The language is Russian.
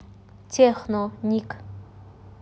техно ник